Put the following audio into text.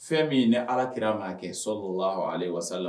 Fɛn min ni alakira ma kɛ so wa ale wasala